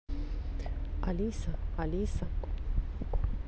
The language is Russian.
алиса алиса